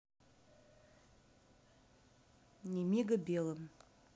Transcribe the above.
nemiga белым